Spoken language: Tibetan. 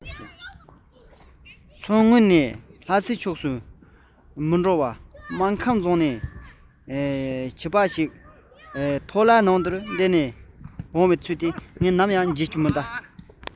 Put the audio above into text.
མཚོ སྔོན དང ལྷ སའི ཕྱོགས སུ མི འགྲོ བ སྨར ཁམས རྫོང ནས བྱིས པ གྲོངས བའི གནས བར འདུད འཐེན འཁོར ལོ ཞིག གི ནང དུ བསྡད ནས འོང བའི ཚུལ ངས ནམ ཡང བརྗེད མི སྲིད